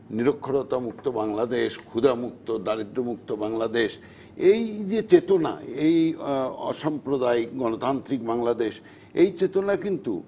নিরক্ষরতা মুক্ত বাংলাদেশ ক্ষুধামুক্ত দারিদ্র্যমুক্ত বাংলাদেশ এই যে চেতনা এই অসাম্প্রদায়িক গণতান্ত্রিক বাংলাদেশ এই চেতনা কিন্তু